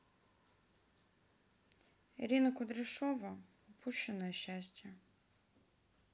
ирина кудряшова упущенное счастье